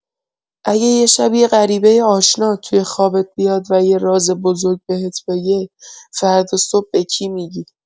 اگه یه شب یه غریبۀ آشنا توی خوابت بیاد و یه راز بزرگ بهت بگه، فردا صبح به کی می‌گی؟